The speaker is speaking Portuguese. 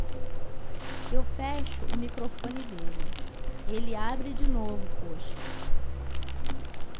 eu fecho o microfone dele ele abre de novo poxa